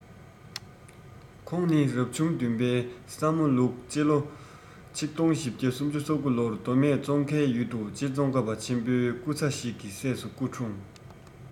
ཁོང ནི རབ བྱུང བདུན པའི ས མོ ལུག ཕྱི ལོ ༡༤༣༩ ལོར མདོ སྨད ཙོང ཁའི ཡུལ དུ རྗེ ཙོང ཁ པ ཆེན པོའི སྐུ ཚ ཞིག གི སྲས སུ སྐུ འཁྲུངས